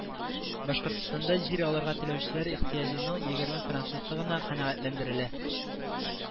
Башкортстанда җир алырга теләүчеләр ихтыяҗының егерме проценты гына канәгатьләндерелә